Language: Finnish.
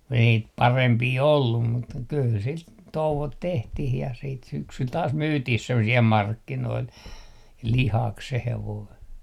kun ei niitä parempia ollut mutta kyllä sitä touot tehtiin ja sitten syksyllä taas myytiin - siellä markkinoilla lihaksi se hevonen